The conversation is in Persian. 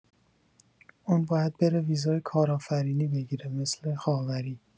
اون باید بره ویزای کارآفرینی بگیره مثل خاوری